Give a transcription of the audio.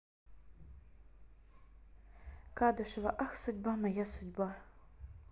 кадышева ах судьба моя судьба